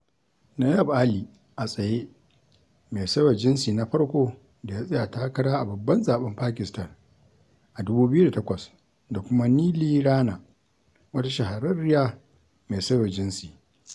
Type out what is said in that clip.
Nayaab Ali (a tsaye), mai sauya jinsi na farko da ya tsaya takara a babban zaɓen Pakistan a 2008, da kuma Neeli Rana, wata shahararriya mai sauya jinsi.